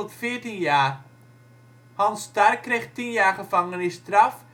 veertien jaar, Hans Stark kreeg tien jaar gevangenisstraf